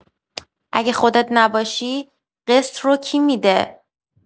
اگه خودت نباشی، قسط رو کی می‌ده؟